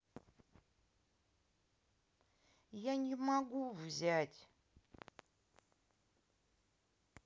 я не могу взять